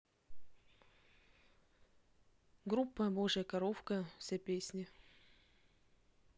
группа божья коровка все песни